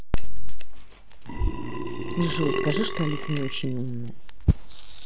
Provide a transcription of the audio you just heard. джой скажи что алиса не очень умная